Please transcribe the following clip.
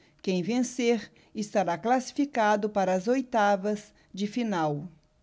quem vencer estará classificado para as oitavas de final